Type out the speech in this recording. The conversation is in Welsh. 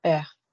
Ie.